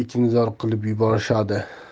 ekinzor qilib yuborishadi